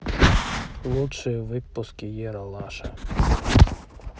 лучшие выпуски ералаша